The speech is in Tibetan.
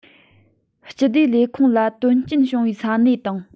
སྤྱི བདེ ལས ཁུངས ལ དོན རྐྱེན བྱུང བའི ས གནས དང